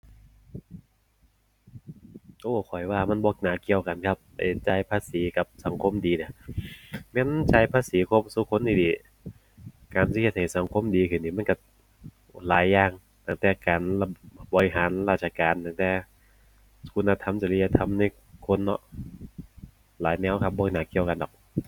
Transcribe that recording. โอ้ ข้อยว่ามันบ่น่าเกี่ยวกันครับ ไอ้จ่ายภาษีกับสังคมดีเนี่ย แม่นจ่ายภาษีครบซุคนอีหลี การสิเฮ็ดให้สังคมดีขึ้นนี้มันก็หลายอย่าง ตั้งแต่การรับบริหารราชการ ตั้งแต่คุณธรรม จริยธรรม ในคนเนาะ หลายแนวครับ บ่น่าเกี่ยวกันดอก